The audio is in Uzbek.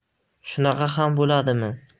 shunaqa ham bo'ladimi